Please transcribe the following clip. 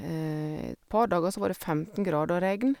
Et par dager så var det femten grader og regn.